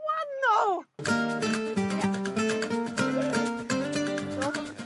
Wanno!